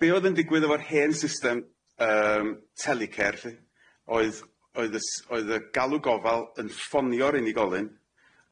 be' odd yn digwydd efo'r hen system yym telecare lly oedd oedd y s- oedd y galw gofal yn ffonio'r unigolyn